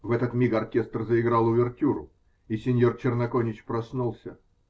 В этот миг оркестр заиграл увертюру, и синьор Черноконич проснулся.